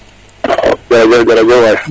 wa kay jerejef